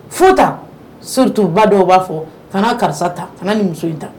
Fo tan! surtout ba dɔw b'a fɔ kana kaarisa ta, kana nin muso in ta